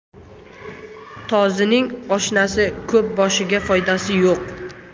tozining oshnasi ko'p boshiga foydasi yo'q